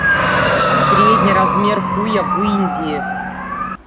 средний размер хуя в индии